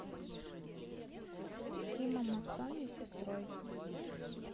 тима мацони с сестрой